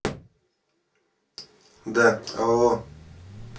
да алло